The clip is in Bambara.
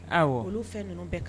Olu fɛn ninnu bɛ